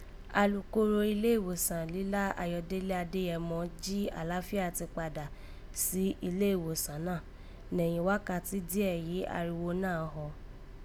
Alukoro ilé ìwòsàn lílá Ayọ̀dẹ́lẹ́ Adéyẹmọ jí àlàáfíà tí kpadà sì ilé ìwòsàn náà nẹ̀yìn wákàtí díè yìí ariwo náà họ